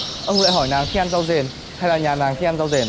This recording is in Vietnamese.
ông lại hỏi nàng thích ăn rau dền hay là nhà nàng thích ăn rau dền à